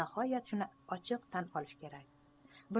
nihoyat shuni ochiq tan olish kerak